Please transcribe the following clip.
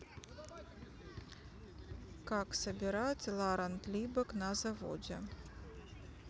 как собирать ларанд либек на заводе